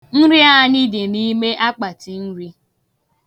Nri anyị dị n'ime akpatinri.